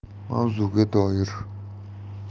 mavzuga doir